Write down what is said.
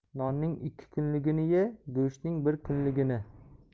nonning ikki kunligini ye go'shtning bir kunligini